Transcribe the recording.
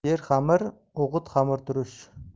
yer xamir o'g'it xamirturush